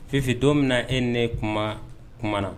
Fifi don min na e ni ne kuma kumana.